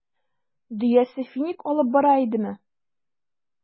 Дөясе финик алып бара идеме?